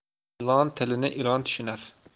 ilon tilini ilon tushunar